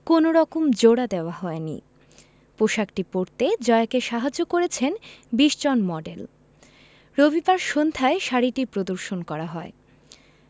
কোনো রকম জোড়া দেয়া হয়নি পোশাকটি পরতে জয়াকে সাহায্য করেছেন ২০ জন মডেল রবিবার সন্ধ্যায় শাড়িটি প্রদর্শন করা হয়